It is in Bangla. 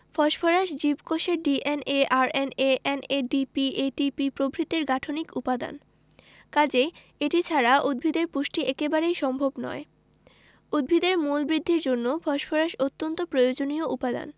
ফসফরাস জীবকোষের DNA RNA NADP ATP প্রভৃতির গাঠনিক উপাদান কাজেই এটি ছাড়া উদ্ভিদের পুষ্টি একেবারেই সম্ভব নয় উদ্ভিদের মূল বৃদ্ধির জন্য ফসফরাস অত্যন্ত প্রয়োজনীয় উপাদান